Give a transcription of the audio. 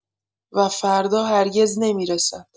و فردا هرگز نمی‌رسد.